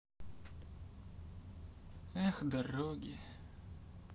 эх дороги